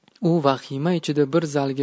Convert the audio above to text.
u vahima ichida bir zalga